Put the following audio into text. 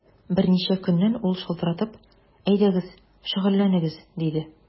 Берничә көннән ул шалтыратып: “Әйдәгез, шөгыльләнегез”, диде.